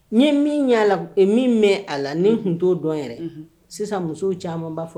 Nin ye min' la o min mɛn a la ni tun t'o dɔn yɛrɛ sisan muso caman b'a fɔ